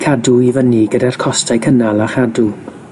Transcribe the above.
cadw i fyny gyda'r costau cynnal a chadw.